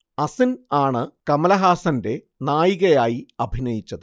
അസിൻ ആണ് കമലഹാസന്റെ നായികയായി അഭിനയിച്ചത്